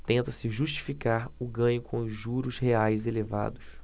tenta-se justificar o ganho com os juros reais elevados